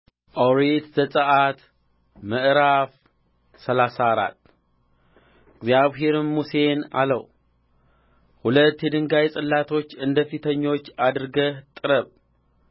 ኦሪት ዘጽአት ምዕራፍ ሰላሳ አራት እግዚአብሔርም ሙሴን አለው ሁለት የድንጋይ ጽላቶች እንደ ፊተኞች አድርገህ ጥረብ